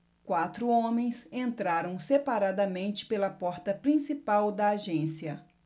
quatro homens entraram separadamente pela porta principal da agência